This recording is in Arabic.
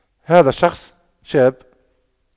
هذا الشخص شاب